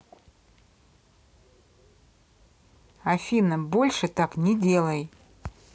афина больше так не делай